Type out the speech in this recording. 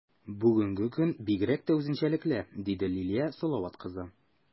Бүгенге көн бигрәк тә үзенчәлекле, - диде Лилия Салават кызы.